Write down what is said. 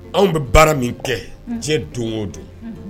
Anw bɛ baara min kɛ cɛ don o don